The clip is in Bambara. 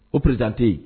O psante